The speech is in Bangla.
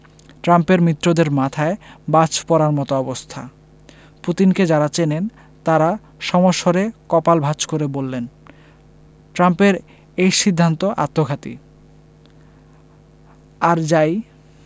ট্রাম্পের মিত্রদের মাথায় বাজ পড়ার মতো অবস্থা পুতিনকে যাঁরা চেনেন তাঁরা সমস্বরে কপাল ভাঁজ করে বললেন ট্রাম্পের এই সিদ্ধান্ত আত্মঘাতী আর যা ই